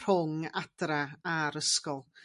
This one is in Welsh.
rhwng adara a'r ysgol.